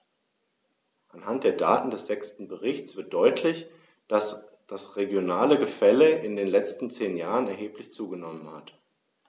Anhand der Daten des sechsten Berichts wird deutlich, dass das regionale Gefälle in den letzten zehn Jahren erheblich zugenommen hat.